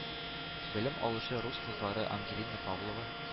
Белем алучы рус кызлары ангелина павлова,